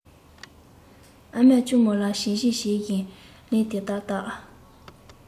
ཨ མས གཅུང མོ ལ བྱིལ བྱིལ བྱེད བཞིན ལན དེ ལྟར བཏབ